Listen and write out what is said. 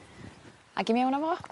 ag i mewn â fo